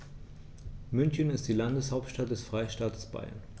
München ist die Landeshauptstadt des Freistaates Bayern.